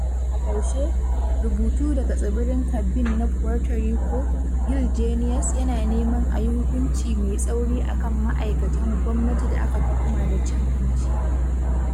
A ƙarshe, rubutu daga tsibirin Carbbean na Puerto Rico, Gil Jenius yana neman ayi hukunci mai tsauri a kan ma'aikatan gwamnati da aka tuhuma da cin-hanci